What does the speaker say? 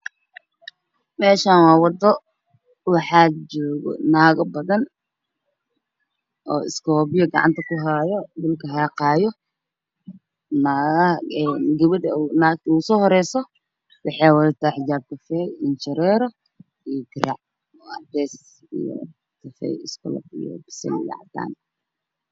Meeshaan waa wato waxaa tuuran naago naagta ugu horeyso waxey wadataa dhar madow ah